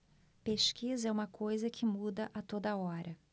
pesquisa é uma coisa que muda a toda hora